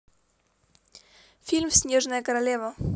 фильм снежная королева